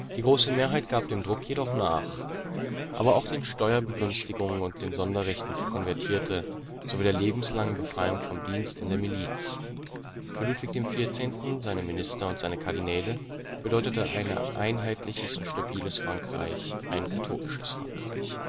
große Mehrheit gab dem Druck jedoch nach; aber auch den Steuerbegünstigungen und den Sonderrechten für Konvertierte sowie der lebenslangen Befreiung vom Dienst in der Miliz. Für Ludwig XIV., seine Minister und seine Kardinäle bedeutete ein einheitliches und stabiles Frankreich ein katholisches Frankreich